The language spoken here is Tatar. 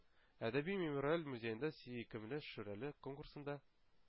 Әдәби-мемориаль музеенда “сөйкемле шүрәле” конкурсында